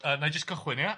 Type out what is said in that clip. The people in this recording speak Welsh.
Yy 'na i jyst cychwyn ia?